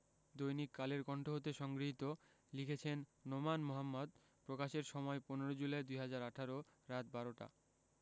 দৈনিক কালের কন্ঠ হতে সংগৃহীত লিখেছেন নোমান মোহাম্মদ প্রকাশের সময় ১৫ জুলাই ২০১৮ রাত ১২ টা